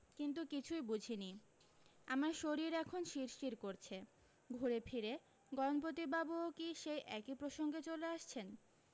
কিন্তু কিছুই বুঝিনি আমার শরীর এখন শিরশির করছে ঘুরে ফিরে গণপতিবাবুও কী সেই একি প্রসঙ্গে চলে আসছেন